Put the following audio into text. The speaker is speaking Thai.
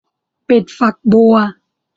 ปิดฝักบัว